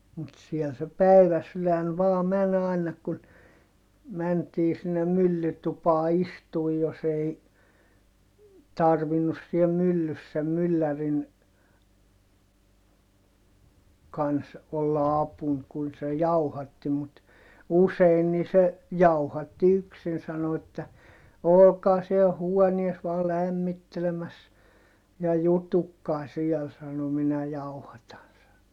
mutta siellä se päiväsydän vain meni aina kun mentiin sinne myllytupaan istumaan jos ei tarvinnut siellä myllyssä sen myllärin kanssa olla apuna kun se jauhatti mutta usein niin se jauhatti yksin sanoi että olkaa siellä huoneessa vain lämmittelemässä ja jututkaa siellä sanoi minä jauhatan sanoi